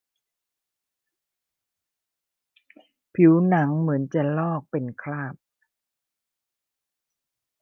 ผิวหนังเหมือนจะลอกเป็นคราบ